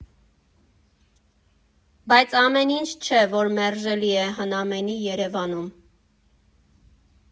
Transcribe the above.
Բայց ամեն ինչ չէ, որ մերժելի է հնամենի Երևանում։